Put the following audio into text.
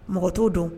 Mɔgɔ t' don